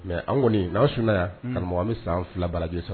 mais an kɔni n'aw sunna yan , karamɔgɔ, an bɛ san 2 baraji de sɔrɔ!